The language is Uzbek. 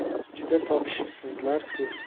juda topishibsizlar ku